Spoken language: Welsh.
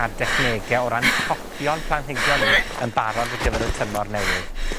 ar dechnege o ran tocio'n planhigion ni yn barod ar gyfer y tymor newydd.